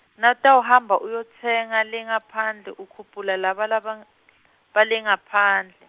Nawutawuhamba uyowutsenga lengaphandle ukhuphula laba labang, bale ngaphandle.